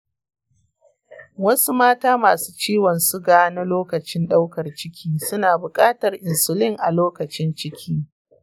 wasu mata masu ciwon suga na lokacin ɗaukar ciki suna buƙatar insulin a lokacin ciki.